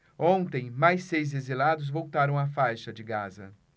ontem mais seis exilados voltaram à faixa de gaza